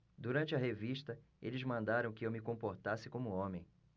durante a revista eles mandaram que eu me comportasse como homem